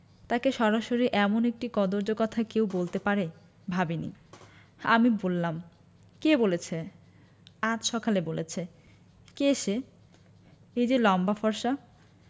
তাকে সরাসরি এমন একটি কদৰ্য কথা কেউ বলতে পারে ভাবিনি আমি বললাম কে বলেছে আজ সকালে বলেছে কে সে ঐ যে লম্বা ফর্সা